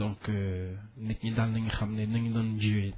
donc nit ñi daal nañu xam ne nañu doon jiwee